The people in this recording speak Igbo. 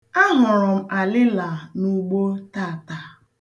Ahụrụ m alịla n'ugbo taata.